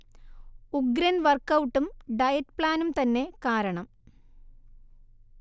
ഉഗ്രൻ വർക്ഔട്ടും ഡയറ്റ് പ്ലാനും തന്നെ കാരണം